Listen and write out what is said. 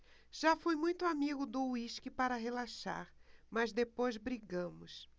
já fui muito amigo do uísque para relaxar mas depois brigamos